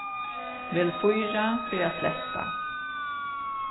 vel fýra fyri at sletta